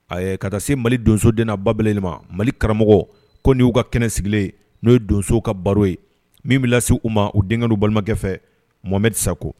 Ɛ ka taa se Mali donsoden n’a ba bɛɛ lajɛlen ma Mali karamɔgɔw ko ni y’u ka kɛnɛ sigilen n'o ye donsow ka baro ye min bɛ lase u ma u denkɛ n’u balimakɛ fɛ Mohame Sako